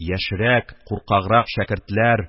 Яшьрәк, куркаграк шәкертләр: